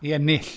I ennill.